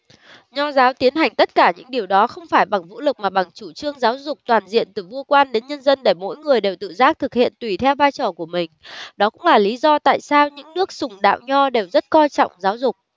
nho giáo tiến hành tất cả những điều đó không phải bằng vũ lực mà bằng chủ trương giáo dục toàn diện từ vua quan đến nhân dân để mỗi người đều tự giác thực hiện tùy theo vai trò của mình đó cũng là lý do tại sao những nước sùng đạo nho đều rất coi trọng giáo dục